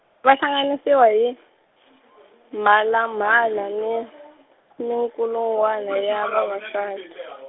va hlanganisiwa hi , mhalamhala ni, minkulungwana ya vavasati.